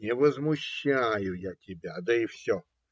Не возмущаю я тебя, да и все.